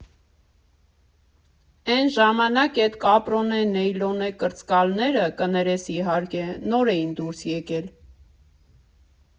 Էն ժամանակ էտ կապրոնե, նեյլոնե կրծկալները, կներես իհարկե, նոր էին դուրս էկել։